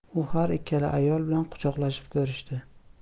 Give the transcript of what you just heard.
u har ikkala ayol bilan quchoqlashib ko'rishdi